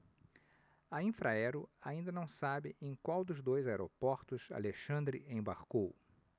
a infraero ainda não sabe em qual dos dois aeroportos alexandre embarcou